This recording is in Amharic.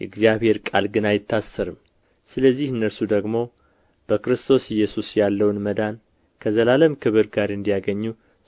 የእግዚአብሔር ቃል ግን አይታሰርም ስለዚህ እነርሱ ደግሞ በክርስቶስ ኢየሱስ ያለውን መዳን ከዘላለም ክብር ጋር እንዲያገኙ